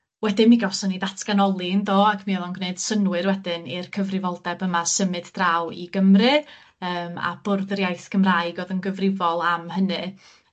wedyn mi gawson ni datganoli yndo, ac mi o'dd o'n gneud synnwyr wedyn i'r cyfrifoldeb yma symud draw i Gymru yym a Bwrdd yr Iaith Gymraeg o'dd yn gyfrifol am hynny.